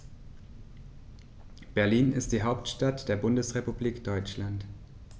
Berlin ist die Hauptstadt der Bundesrepublik Deutschland.